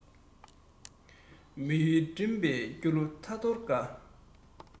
མི ཡུལ འགྲིམས པའི སྐྱོ གླུ ཐ ཐོར འགའ